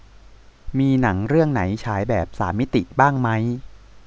มีหนังเรื่องไหนฉายแบบสามมิติบ้างมั้ย